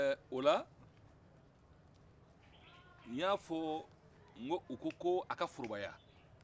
ola ny'a fo ko u ko ko a forobaya